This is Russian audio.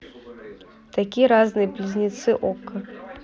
такие разные близнецы okko